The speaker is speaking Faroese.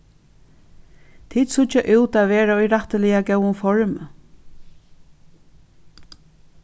tit síggja út at vera í rættiliga góðum formi